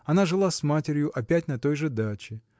Она жила с матерью опять на той же даче.